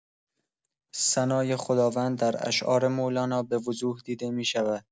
ثنای خداوند در اشعار مولانا به‌وضوح دیده می‌شود.